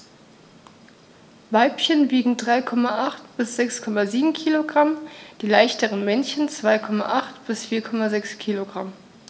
Weibchen wiegen 3,8 bis 6,7 kg, die leichteren Männchen 2,8 bis 4,6 kg.